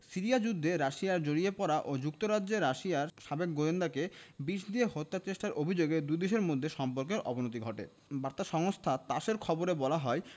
Syria যুদ্ধে রাশিয়ার জড়িয়ে পড়া ও যুক্তরাজ্যে রাশিয়ার সাবেক গোয়েন্দাকে বিষ দিয়ে হত্যাচেষ্টার অভিযোগে দুই দেশের মধ্যে সম্পর্কের অবনতি ঘটে বার্তা সংস্থা তাস এর খবরে বলা হয়